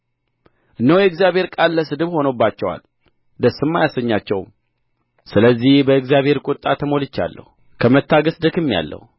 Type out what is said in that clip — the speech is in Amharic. እነሆ የእግዚአብሔር ቃል ለስድብ ሆኖባቸዋል ደስም አያሰኛቸውም ስለዚህ በእግዚአብሔር ቍጣ ተሞልቻለሁ ከመታገሥ ደክሜአለሁ